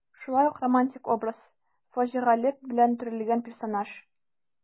Шулай ук романтик образ, фаҗигалек белән төрелгән персонаж.